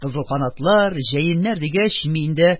Кызылканатлар, җәеннәр дигәч, мин дә,